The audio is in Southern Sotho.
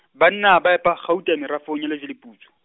banna ba epa kgauta, merafong ya Lejweleputswa.